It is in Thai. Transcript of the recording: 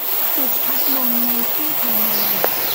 ปิดพัดลมในที่ทำงาน